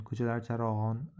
ko'chalar charog'on